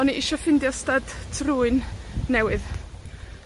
O'n i isio ffindio styd trwyn newydd.